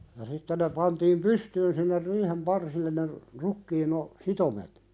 ja sitten ne pantiin pystyyn sinne riihen parsille ne rukiin - sitomet